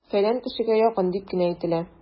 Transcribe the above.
"фәлән кешегә якын" дип кенә әйтелә!